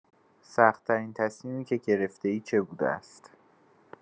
سخت‌ترین تصمیمی که گرفته‌ای چه بوده است؟